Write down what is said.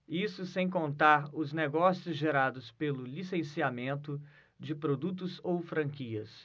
isso sem contar os negócios gerados pelo licenciamento de produtos ou franquias